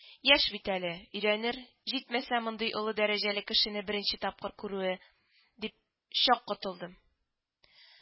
Яшь бит әле, өйрәнер, җитмәсә мондый олы дәрәҗәле кешене беренче тапкыр күрүе, дип чак котылдым…